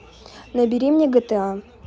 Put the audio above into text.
набери мне gta